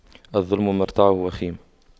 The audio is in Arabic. الظلم مرتعه وخيم